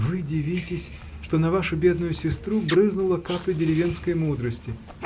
— Вы дивитесь, что на вашу бедную сестру брызнула капля деревенской мудрости!